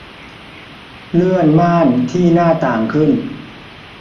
เลื่อนม่านที่หน้าต่างขึ้น